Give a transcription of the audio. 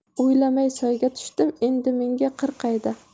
o'ylamay soyga tushdim endi menga qir qayda